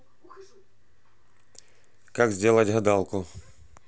как сделать гадалку